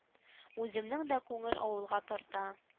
Үземнең дә күңел авылга тарта